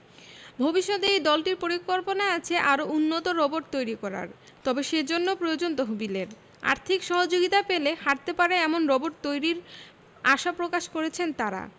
ভবিষ্যতে এই দলটির পরিকল্পনা আছে আরও উন্নত রোবট তৈরি করার তবে সেজন্য প্রয়োজন তহবিলের আর্থিক সহযোগিতা পেলে হাটতে পারে এমন রোবট তৈরির আশা প্রকাশ করেছেন তারা